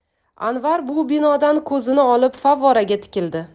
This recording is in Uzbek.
anvar bu binodan ko'zini olib favvoraga tikildi